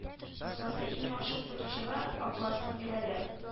Кыскасы иң яхшы укытучыга а классын бирәләр